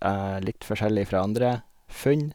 Litt forskjellig fra andre funn.